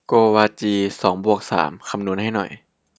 โกวาจีสองบวกสามคำนวณให้หน่อย